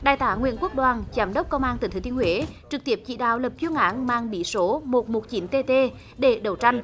đại tá nguyễn quốc đoàn giám đốc công an tỉnh thừa thiên huế trực tiếp chỉ đạo lập chuyên án mang bí số một một chín tê tê để đấu tranh